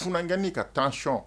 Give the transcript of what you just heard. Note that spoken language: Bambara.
Fgɛneni ka taacɔn